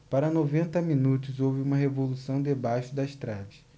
para noventa minutos houve uma revolução debaixo das traves